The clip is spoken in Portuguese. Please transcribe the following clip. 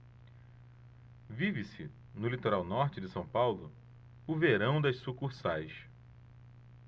vive-se no litoral norte de são paulo o verão das sucursais